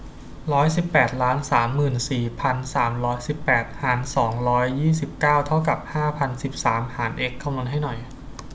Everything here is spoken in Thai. ร้อยสิบแปดล้านสามหมื่นสี่พันสามร้อยสิบแปดหารสองร้อยยี่สิบเก้าเท่ากับห้าพันสิบสามหารเอ็กซ์คำนวณให้หน่อย